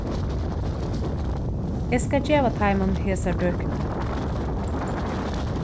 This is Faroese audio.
eg skal geva teimum hesar bøkurnar